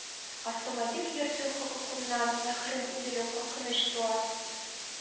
Автомобиль йөртү хокукыннан мәхрүм ителү куркынычы туа.